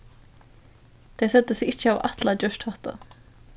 tey søgdu seg ikki hava ætlað at gjørt hatta